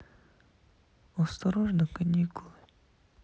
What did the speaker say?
осторожно каникулы